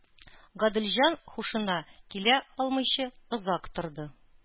Гаделҗан һушына килә алмыйча озак торды